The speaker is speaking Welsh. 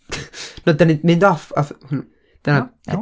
Nawr dyn ni'n mynd off, aeth, hm- dyna-